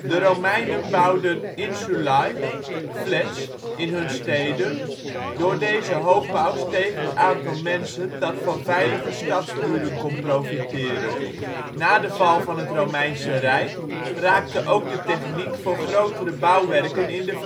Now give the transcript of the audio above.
Romeinen bouwden insulae (flats) in hun steden; door deze hoogbouw steeg het aantal mensen dat van veilige stadsmuren kon profiteren. Na de val van het Romeinse Rijk raakte ook de techniek voor grotere bouwwerken in de